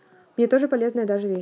мне тоже полезное даже весело